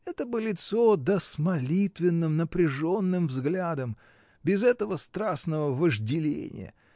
— Это бы лицо да с молитвенным, напряженным взглядом, без этого страстного вожделения!.